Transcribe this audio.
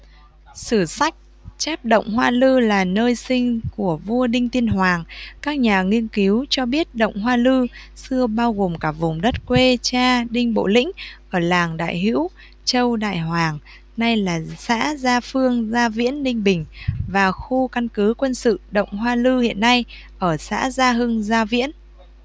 sử sách chép động hoa lư là nơi sinh của vua đinh tiên hoàng các nhà nghiên cứu cho biết động hoa lư xưa bao gồm cả vùng đất quê cha đinh bộ lĩnh ở làng đại hữu châu đại hoàng nay là xã gia phương gia viễn ninh bình và khu căn cứ quân sự động hoa lư hiện nay ở xã gia hưng gia viễn